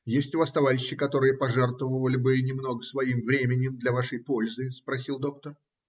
Есть у вас товарищи, которые пожертвовали бы немного своим временем для вашей пользы? - спросил доктор.